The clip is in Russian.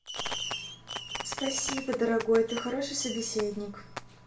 спасибо дорогой ты хороший собеседник